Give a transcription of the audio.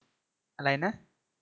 อะไรนะ